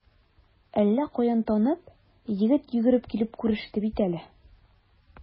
Әллә каян танып, егет йөгереп килеп күреште бит әле.